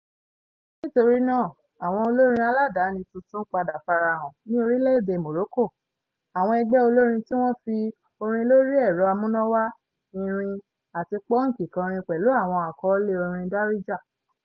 Nítorí náà àwọn olórin aládàáni tuntun padà farahàn ní orílẹ̀-èdè Morocco, àwọn ẹgbẹ́ olórin tí wọ́n fi orin lóri ẹ̀rọ amúnáwá , irin, àti póǹkì kọrin pẹ̀lú àwọn àkọọ́lẹ̀ orin ní Darija.